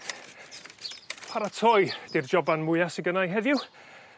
Paratoi 'di'r joban mwya sy gynnai heddiw.